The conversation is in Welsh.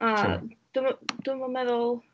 O, dwi'm yn dwi'm yn meddwl...